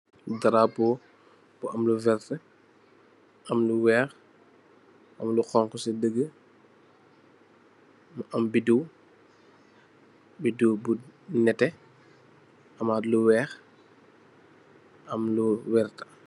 Darapóó bu am lu werta, am lu wèèx am lu xonxu ci digi, am bidiw, bidiw bu netteh amat lu wèèx am lu werta .